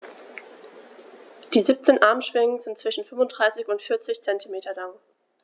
Die 17 Armschwingen sind zwischen 35 und 40 cm lang.